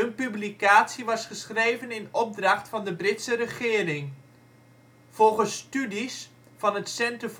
publicatie was geschreven in opdracht van de Britse regering. Volgens studies van het Center